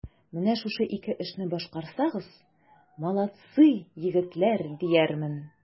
Менә шушы ике эшне башкарсагыз, молодцы, егетләр, диярмен.